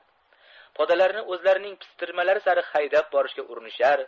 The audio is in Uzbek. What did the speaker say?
podalami o'zlarining pistirmalari sari haydab borishga urinishar